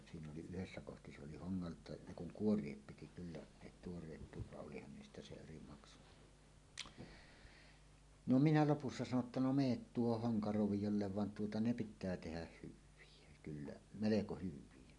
siinä oli yhdessä kohti se oli hongalta ne kun kuoria piti kyllä ne tuoreet puut vaan olihan niistä se eri maksu no minä lopussa sanoi jotta no menet tuohon honkaroviolle vaan tuota ne pitää tehdä hyviä kyllä melko hyviä